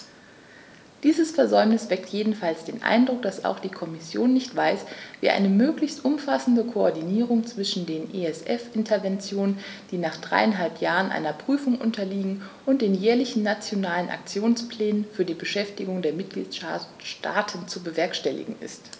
Dieses Versäumnis weckt jedenfalls den Eindruck, dass auch die Kommission nicht weiß, wie eine möglichst umfassende Koordinierung zwischen den ESF-Interventionen, die nach dreieinhalb Jahren einer Prüfung unterliegen, und den jährlichen Nationalen Aktionsplänen für die Beschäftigung der Mitgliedstaaten zu bewerkstelligen ist.